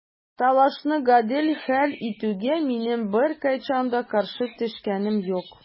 Талашны гадел хәл итүгә минем беркайчан да каршы төшкәнем юк.